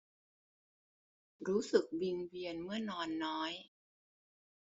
รู้สึกวิงเวียนเมื่อนอนน้อย